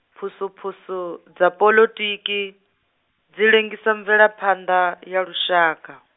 phusuphusu dza poḽotiki, dzi lengisa mvelaphanḓa, ya lushaka.